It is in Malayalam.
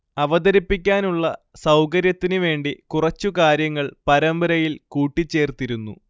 അവതരിപ്പിക്കാനുള്ള സൗകര്യത്തിനു വേണ്ടി കുറച്ച് കാര്യങ്ങൾ പരമ്പരയിൽ കൂട്ടിച്ചേർത്തിരുന്നു